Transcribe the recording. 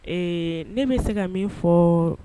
Ee ne bɛ se ka min fɔ